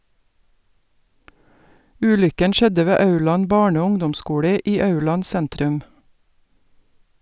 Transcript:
Ulykken skjedde ved Aurland barne- og ungdomsskole i Aurland sentrum.